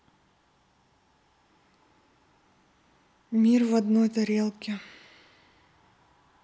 мир в одной тарелке